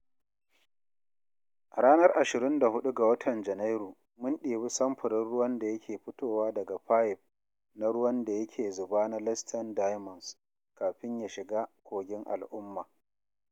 A ranar 24 ga watan Janairu, mun ɗibi samfurin ruwan da yake fitowa daga fayif na ruwan da yake zuba na Letšeng Diamonds kafin ya shiga kogin al'umma.